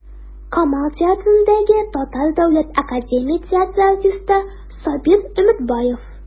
Камал исемендәге Татар дәүләт академия театры артисты Сабир Өметбаев.